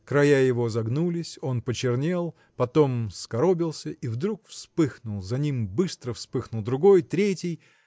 края его загнулись, он почернел, потом скоробился и вдруг вспыхнул за ним быстро вспыхнул другой третий